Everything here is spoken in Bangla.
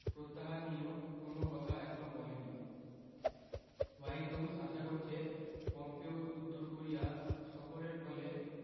প্রত্যাহার নিয়েও কোনো কথা এখনো বলেনি হোয়াইট হাউস আশা করছে পম্পেওর উত্তর কোরিয়া সফরের ফলে